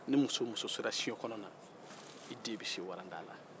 ni muso o muso sera soɲɛkɔnɔ na e den bɛ se waranda la